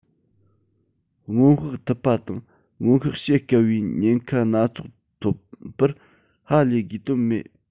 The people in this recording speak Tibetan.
སྔོན དཔག ཐུབ པ དང སྔོན དཔག བྱེད དཀའ བའི ཉེན ཁ སྣ ཚོགས ཐོན པར ཧ ལས དགོས དོན མེད